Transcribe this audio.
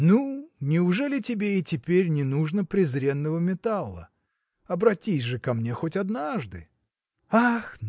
Ну, неужели тебе и теперь не нужно презренного металла? Обратись же ко мне хоть однажды. – Ах!